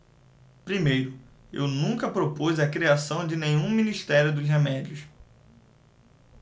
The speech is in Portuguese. primeiro eu nunca propus a criação de nenhum ministério dos remédios